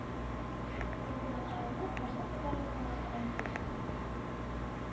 Мин, укудан аерылып, башны күтәреп карарга мәҗбүр булдым